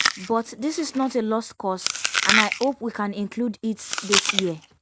But it is not a lost cause and I hope we can include it this year!